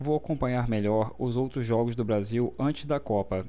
vou acompanhar melhor os outros jogos do brasil antes da copa